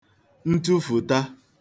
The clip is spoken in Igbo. ntụfụ̀ta